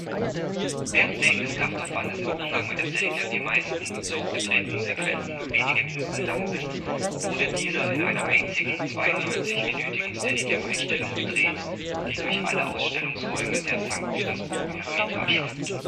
Während wegen des Kraftaufwandes im Umgang mit der Steadicam die meisten so gedrehten Sequenzen nur wenige Minuten lang sind, wurde dieser in einer einzigen 92-minütigen Steadicam-Einstellung gedreht, die durch alle Ausstellungsräume der Sankt Petersburger Eremitage führte